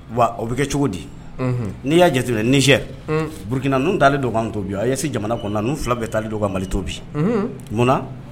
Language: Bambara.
Wa o bɛ kɛ cogo di n'i y'a jatemina nizɛr burukina ninnu taalen do k'anw to bi AES jamana kɔnɔ na ninnu 2 bɛɛ taalen do ka Mali to bi munna